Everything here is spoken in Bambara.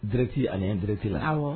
Direct ani indirect la